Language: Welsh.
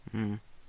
Hmm.